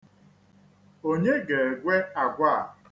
Onye ga-egwe àgwà a?